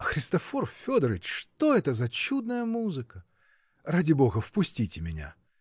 -- Христофор Федорыч, что это за чудная музыка! Ради бога, впустите меня.